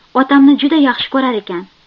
otamni juda yaxshi ko'rar ekan